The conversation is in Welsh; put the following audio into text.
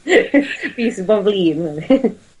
Fi sy'n fod flin 'wan.